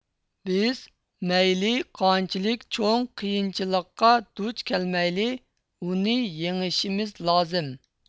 بىز مەيلى قانچىلىك چوڭ قىينچىلىققا دۇچ كەلمەيلى ئۇنى يېڭىشىمىز لازىم